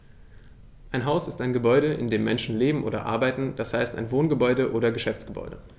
Ein Haus ist ein Gebäude, in dem Menschen leben oder arbeiten, d. h. ein Wohngebäude oder Geschäftsgebäude.